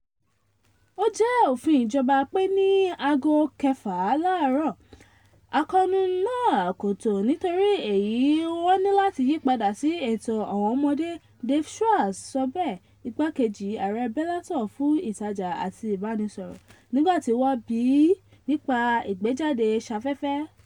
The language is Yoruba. "Ó jẹ́ òfin ìjọba pé ní aago 6 láàárọ̀, àkóónú náà kò tọ́, nítorí èyí wọ́n níláti yípada sí ètò àwọn ọmọdé,” Dave Schwartz sọ bẹ́ẹ̀, igbakejì ààrẹ Bellator fún ìtajà àti ìbánisọ̀rọ̀, nígbàtí wọ́ bíi nípa ìgbéjáde ṣáfẹ́fẹ́.